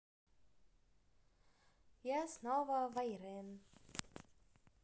я снова я irene